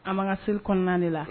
An man ka seli kɔnɔna de la